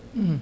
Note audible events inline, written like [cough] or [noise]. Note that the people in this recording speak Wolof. [hesitation] [hesitation]